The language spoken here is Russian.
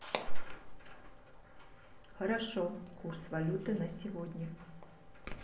хорошо курс валюты на сегодня